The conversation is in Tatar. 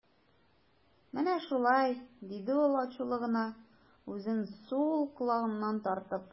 Менә шулай, - диде ул ачулы гына, үзен сул колагыннан тартып.